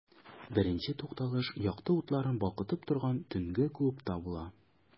Беренче тукталыш якты утларын балкытып торган төнге клубта була.